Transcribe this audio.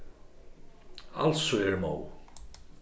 altso eg eri móð